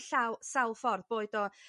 llaw- mewn sawl ffordd boed o